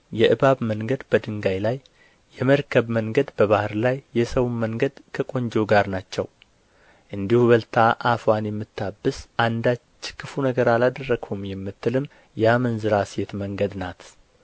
የእባብ መንገድ በድንጋይ ላይ የመርከብ መንገድ በባሕር ላይ የሰውም መንገድ ከቈንጆ ጋር ናቸው እንዲሁ በልታ አፍዋን የምታብስ አንዳች ክፉ ነገር አላደረግሁም የምትልም የአመንዝራ ሴት መንገድ ናት